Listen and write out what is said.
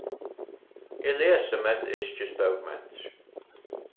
eg lesi mest yrkisbókmentir